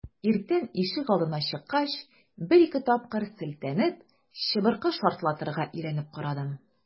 Иртән ишегалдына чыккач, бер-ике тапкыр селтәнеп, чыбыркы шартлатырга өйрәнеп карадым.